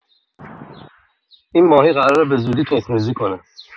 این ماهی قراره به‌زودی تخم‌ریزی کنه.